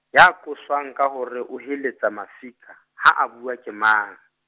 ya qoswang ka hore o heletsa mafika, ha a bua ke mang?